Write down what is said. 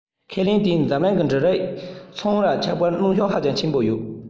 ཁས ལེན དེས འཛམ གླིང གི འབྲུ རིགས ཚོང ར ཆགས པར གནོན ཤུགས ཧ ཅང ཆེན པོ ཡོད